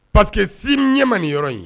Parce que Sim ɲɛ ma nin yɔrɔ ye.